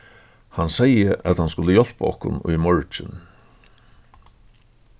hann segði at hann skuldi hjálpa okkum í morgin